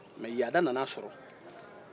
mɛ yaada nana a sɔrɔ